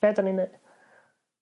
be' 'dan ni'n neu'.